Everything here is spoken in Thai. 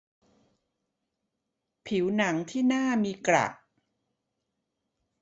ผัวหนังที่หน้ามีกระ